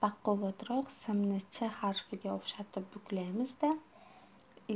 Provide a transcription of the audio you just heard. baquvvatroq simni ch raqamga o'xshatib buklaymizda